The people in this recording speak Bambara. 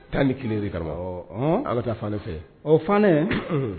11 de karamɔgɔ . An ka taa fanɛ fɛ yen. Ɔɔ fanɛ